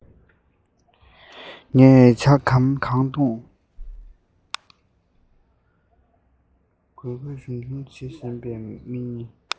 ངས ཇ ཁམ གང འཐུང